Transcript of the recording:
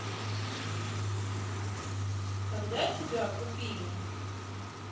когда тебя купили